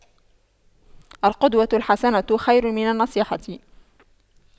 القدوة الحسنة خير من النصيحة